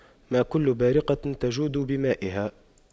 ما كل بارقة تجود بمائها